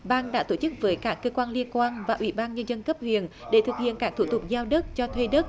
ban đã tổ chức với các cơ quan liên quan và ủy ban nhân dân cấp huyện để thực hiện các thủ tục giao đất cho thuê đất